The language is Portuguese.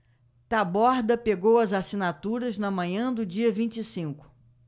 taborda pegou as assinaturas na manhã do dia vinte e cinco